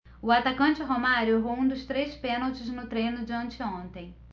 o atacante romário errou um dos três pênaltis no treino de anteontem